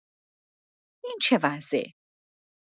این چه وضعه؟